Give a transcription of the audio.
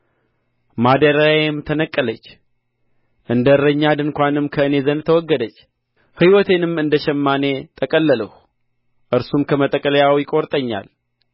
ማደሪያዬ ተነቀለች እንደ እረኛ ድንኳንም ከእኔ ዘንድ ተወገደች ሕይወቴንም እንደ ሸማኔ ጠቀለልሁ እርሱም ከመጠቅለያው ይቈርጠኛል